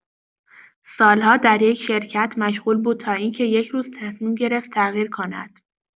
سال‌ها در یک شرکت مشغول بود تا اینکه یک‌روز تصمیم گرفت تغییر کند.